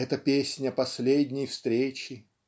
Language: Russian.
Это песня последней встречи.